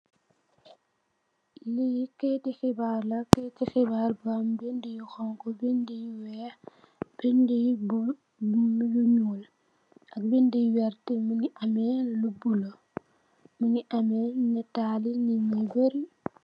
Li keyti xibaar la keyti xibaar bu am binda yu xonxu binda yu weex binda yu bul bu binda yu nuul ak binda yu werta mongi ame lu bulu mongi neetali nitt yu bari.